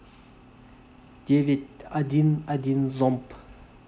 девять один один зомб